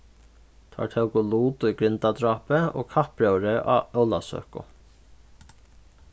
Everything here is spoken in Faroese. teir tóku lut í grindadrápi og kappróðri á ólavsøku